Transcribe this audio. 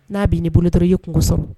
N'a bɛ ni bolotɔ ye kungo sɔrɔ